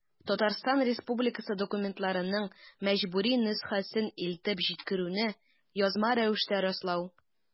Татарстан Республикасы документларының мәҗбүри нөсхәсен илтеп җиткерүне язма рәвештә раслау.